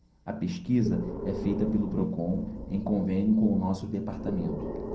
a pesquisa é feita pelo procon em convênio com o diese